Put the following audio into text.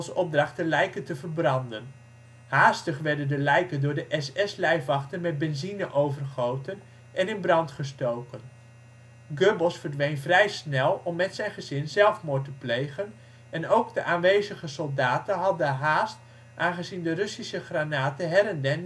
opdracht de lijken te verbranden. Haastig werden de lijken door de SS-lijfwachten met benzine overgoten en in brand gestoken. Goebbels verdween vrij snel om met zijn gezin zelfmoord te plegen, en ook de aanwezige soldaten hadden haast aangezien de Russische granaten her en der